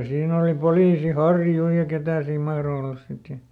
siinä oli poliisi Harju ja ketä siinä mahtoi olla sitten ja